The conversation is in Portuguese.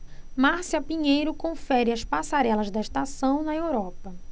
márcia pinheiro confere as passarelas da estação na europa